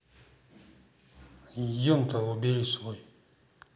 until убери свое